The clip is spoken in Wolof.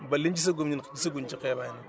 ba liñ gisagum ñun gisaguñ ci xeebaange